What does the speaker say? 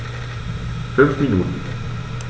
5 Minuten